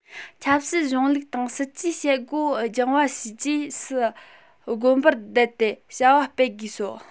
ཆབ སྲིད གཞུང ལུགས དང སྲིད ཇུས བྱེད སྒོ སྦྱང བ བྱས རྗེས སུ དགོན པར བསྡད དེ བྱ བ སྤེལ དགོས སོ